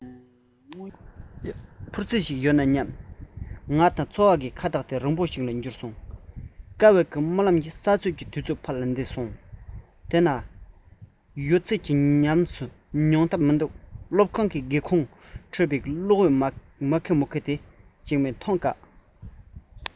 འཕུར རྩལ ཞིག ཡོད ན སྙམ འཚོ བ ནི ང དང ཁ ཐག རིང མངོན འགྱུར བྱེད ཐབས དཀའ བའི རྨི ལམ ས སྲོད ཀྱི དུས ཚོད ཕར ལ འདས སོང དལ བ དལ བུར གླིང ག འདི ནི མ གཞིར བཟོ བཀོད ལེགས ཡིད དུ འོང བ ཞིག ཡིན དོ ནུབ ནི ཟླ འོད མེད པའི མཚན མོ ཞིག ཡིན གླིང གའི མཛེས པ ཡོད ཚད ཉམས སུ མྱོང ཐབས མི འདུག སློབ ཁང གི སྒེའུ ཁུང འཕྲོས པའི གློག འོད མ གེ མོག གེ ཞིག མ གཏོགས མཐོང དཀའ